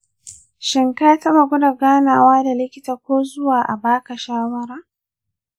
shin ka taɓa gwada ganawa da likita ko zuwa a baka shawara ?